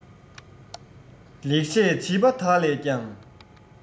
ལེགས བཤད བྱིས པ དག ལས ཀྱང